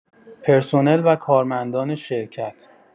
پرسنل و کارمندان شرکت